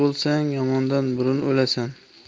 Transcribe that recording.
bo'lsang yomondan burun o'lasan